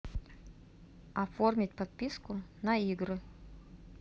оформить подписку на игры